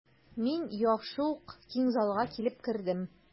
Мин яхшы ук киң залга килеп кердем.